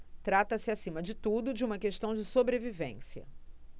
trata-se acima de tudo de uma questão de sobrevivência